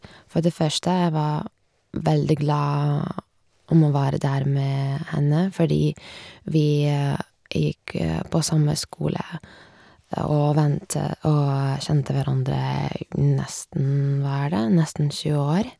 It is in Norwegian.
For det første, jeg var veldig glad om å være der med henne, fordi vi gikk på samme skole og vente og kjente hverandre g nesten hver dag, nesten tjue år.